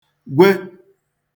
gwẹ